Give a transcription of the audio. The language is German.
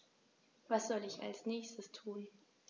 Was soll ich als Nächstes tun?